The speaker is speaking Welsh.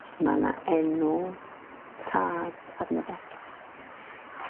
Ma' 'na enw tad arno fo.